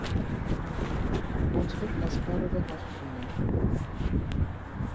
Ոնց որ Կասպարովը հաղթում է։